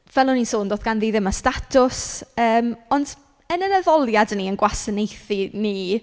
Fel o'n i'n sôn doedd ganddi ddim y statws. Yym ond yn ein addoliad ni ein gwasanaethu ni...